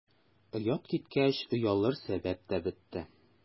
Оят киткәч, оялыр сәбәп тә бетте.